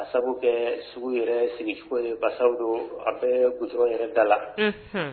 Sabu kɛ sugu yɛrɛ sigicogo ye basaw don an bɛtura yɛrɛ da la